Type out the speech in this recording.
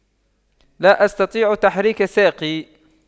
لا أستطيع تحريك ساقي